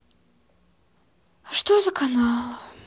а что за канал